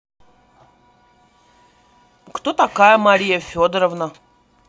кто такая мария федоровна